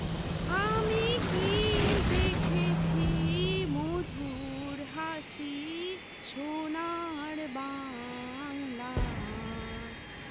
আমি কী দেখেছি মধুর হাসি সোনার বাংলা